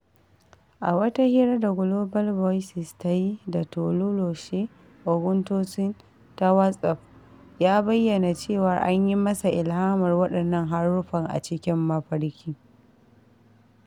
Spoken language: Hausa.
A wata hira da Global Voices ta yi da Tolúlàṣẹ Ògúntósìn ta Wasof ya bayyana cewa an yi masa ilhamar waɗannan haruffan a cikin mafarki.